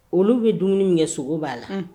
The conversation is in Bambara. Olu bɛ dumuni min kɛ sogo b'a la